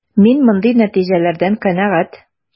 Мин мондый нәтиҗәләрдән канәгать.